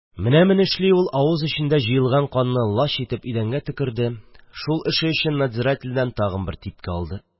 Менә менешли ул авыз эченә җыелган канны лач итеп идәнгә төкерде, шул эше өчен надзирательдән тагын бер типке алды.